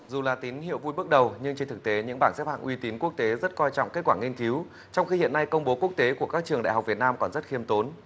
dù là tín hiệu vui bước đầu nhưng trên thực tế những bảng xếp hạng uy tín quốc tế rất coi trọng kết quả nghiên cứu trong khi hiện nay công bố quốc tế của các trường đại học việt nam còn rất khiêm tốn